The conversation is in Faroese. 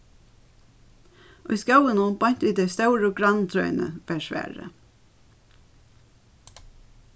í skóginum beint við tey stóru granntrøini var svarið